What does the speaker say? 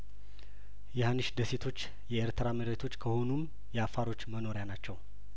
የሀኒሽ ደሴቶች የኤርትራ መሬቶች ከሆኑም የአፋሮች መኖሪያ ናቸው